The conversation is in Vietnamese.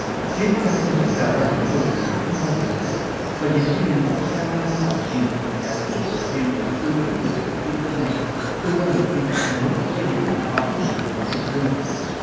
chiếc thai ta níc tạo ra những câu chuyện không bao giờ hết vào dịp kỷ niệm một trăm năm tàu chìm nhà sản xuất bộ phim được ưa chuộng nhất từ trước tới nay tung ra một phiên bản mới với hình ảnh ba chiều rõ nét hơn